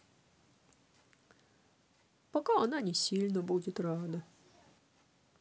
пока она не сильно будет рада